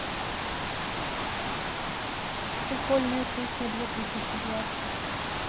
прикольная песня две тысячи двадцать